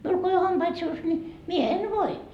minulla kun ei ole hampaita suussa niin minä en voi